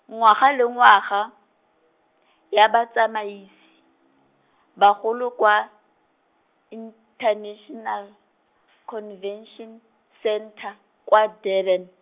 ngwaga le ngwaga, ya batsamaisi, bagolo kwa, International , Convention, Centre, kwa Durban.